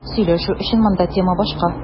Сөйләшү өчен монда тема башка.